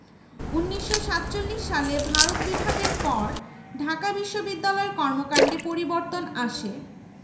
১৯৪৭ সালে ভারত বিভাগের পর ঢাকা বিশ্ববিদ্যালয়ের কর্মকান্ডে পরিবর্তন আসে